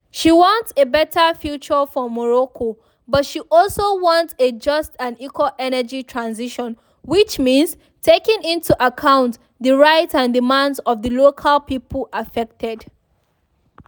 She wants a better future for Morocco, but she also wants a just and equal energy transition, which means taking into account the rights and demands of the local people affected.